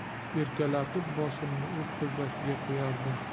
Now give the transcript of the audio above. erkalatib boshimni o'z tizzasiga qo'yardi